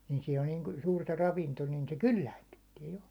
niin siinä on niin suurta ravinto niin se kylläännyttää jo